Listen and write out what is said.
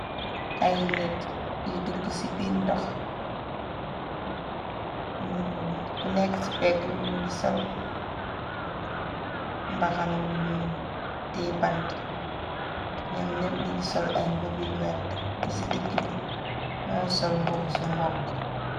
Ay nit yu dugg ci biir ndoxku nekk ci pegg ol mbaxana buñu tée bant ñëm. Nyi ngi sol ay mbobuy werta ku ci digg bi moo sol mbobu su mbokq.